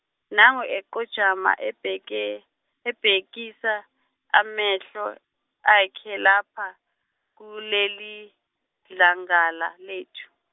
nangu eseqojama ebheke- ebhekisa, amehlo akhe lapha, kulelidlangala, lethu.